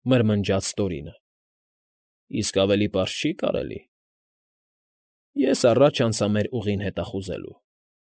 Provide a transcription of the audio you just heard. Մրմնջաց Տորինը։֊ Իսկ ավելի պարզ չի՞ կարելի։ ֊ Ես առաջ անցա մեր ուղին հետազոտելու։